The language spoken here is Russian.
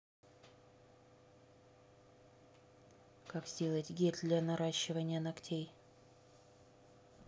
как сделать гель для наращивания ногтей